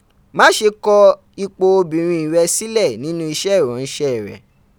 Mase ko ipo iyawo re sile ninu ise iranse re.